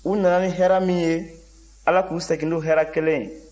u nana ni hɛrɛ min ye ala k'u segin n'o hɛrɛ kelen ye